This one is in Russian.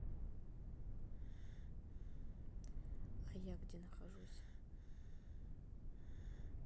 а я где нахожусь